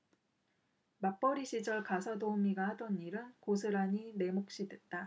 맞벌이 시절 가사도우미가 하던 일은 고스란히 내 몫이 됐다